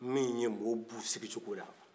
min ye mɔw b'u sigi cogola